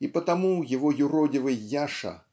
И потому его юродивый Яша